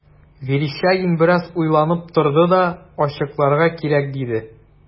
Верещагин бераз уйланып торды да: – Ачыкларга кирәк,– диде.